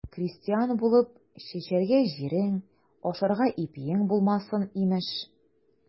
Крестьян булып, чәчәргә җирең, ашарга ипиең булмасын, имеш.